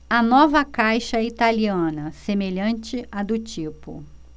a nova caixa é italiana semelhante à do tipo